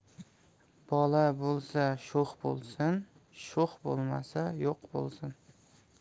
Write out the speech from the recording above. bola bo'lsa sho'x bo'lsin sho'x bo'lmasa yo'q bo'lsin